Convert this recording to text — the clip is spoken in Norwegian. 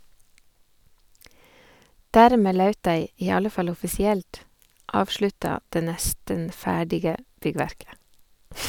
Dermed laut dei - i alle fall offisielt - avslutta det nesten ferdige byggverket.